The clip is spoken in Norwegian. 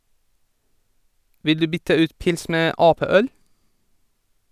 - Vil du bytte ut pils med Ap-øl?